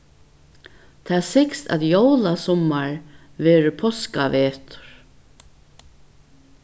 tað sigst at jólasummar verður páskavetur